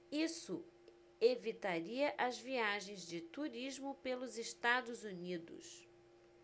isso evitaria as viagens de turismo pelos estados unidos